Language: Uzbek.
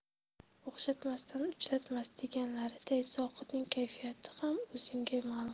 o'xshatmasdan uchratmas deganlariday zohidning kayfiyati ham o'zingizga ma'lum